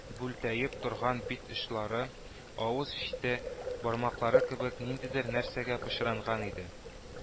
Бүлтәеп торган бит очлары, авыз чите, бармаклары кебек, ниндидер нәрсәгә пычранган иде